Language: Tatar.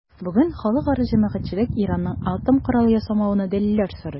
Бүген халыкара җәмәгатьчелек Иранның атом коралы ясамавына дәлилләр сорый.